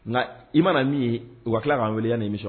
Nka i mana min ye, u ka tila ka n wele yanni emission